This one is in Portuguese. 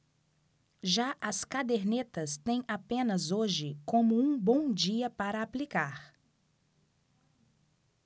já as cadernetas têm apenas hoje como um bom dia para aplicar